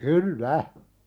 kyllä